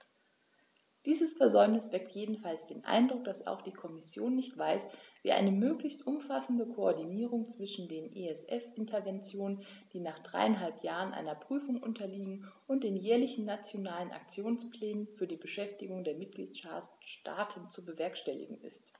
Dieses Versäumnis weckt jedenfalls den Eindruck, dass auch die Kommission nicht weiß, wie eine möglichst umfassende Koordinierung zwischen den ESF-Interventionen, die nach dreieinhalb Jahren einer Prüfung unterliegen, und den jährlichen Nationalen Aktionsplänen für die Beschäftigung der Mitgliedstaaten zu bewerkstelligen ist.